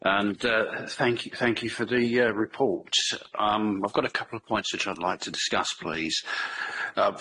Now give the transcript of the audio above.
And yy thank you thank you for the yy report um I've got a couple of points which I'd like to discuss please. Um.